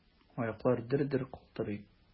Аяклар дер-дер калтырый.